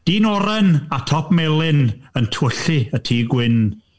Dyn oren a top melyn, yn tywyllu y Tŷ Gwyn.